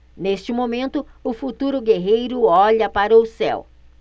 neste momento o futuro guerreiro olha para o céu